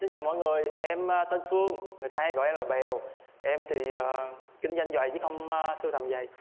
xin chào mọi người em a tên phương người ta hay gọi em là bèo em thì ờ kinh doanh giày chứ không sưu tầm giày